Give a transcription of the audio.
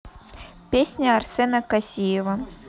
песня арсена косиева